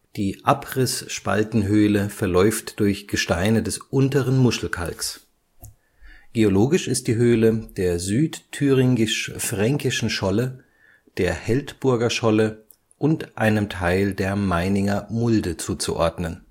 Die Abrissspaltenhöhle verläuft durch Gesteine des Unteren Muschelkalks. Geologisch ist die Höhle der südthüringisch-fränkischen Scholle, der Heldburger Scholle und einem Teil der Meininger Mulde zuzuordnen